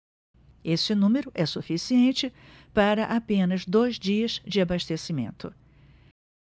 esse número é suficiente para apenas dois dias de abastecimento